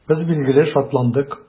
Без, билгеле, шатландык.